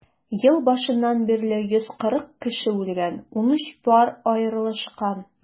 Ел башыннан бирле 140 кеше үлгән, 13 пар аерылышкан.